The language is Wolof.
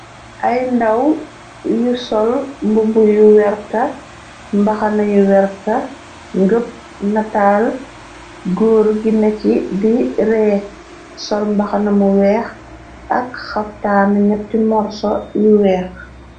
Ay ndaw yu sol mbubbu yu werta, mbaxana yu werta, ngëb nataal goor gi na ci direey, sol mbaxana mu weex ak xaftaan ñetti morso yu weex.